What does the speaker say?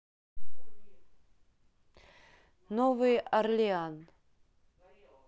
новый орлеан